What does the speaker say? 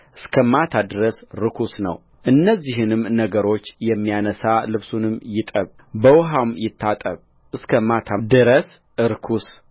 እስከ ማታ ድረስ ርኩስ ነው እነዚህንም ነገሮች የሚያነሣ ልብሱን ይጠብ በውኃም ይታጠብ እስከ ማታም ድረስ ርኩስ